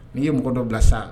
N'i ye mɔgɔ dɔ bila sa